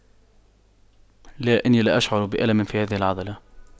لا إني لا اشعر بألم في هذه العضلة